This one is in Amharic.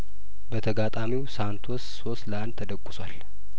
በተጋጣሚው ሳንቶስ ሶስት ለአንድ ተደቁሷል